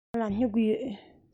ང ལ སྨྱུ གུ ཡོད